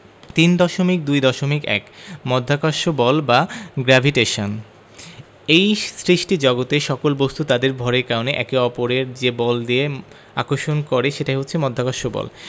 3.2.1 মহাকর্ষ বল বা গ্রেভিটেশন এই সৃষ্টিজগতের সকল বস্তু তাদের ভরের কারণে একে অপরকে যে বল দিয়ে আকর্ষণ করে সেটাই হচ্ছে মহাকর্ষ বল